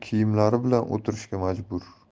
kiyimlari bilan o'tirishga majbur